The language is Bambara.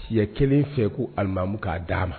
Ye kelen fɛ ko alimamu k'a da ma